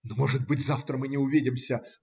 Но, может быть, завтра мы не увидимся.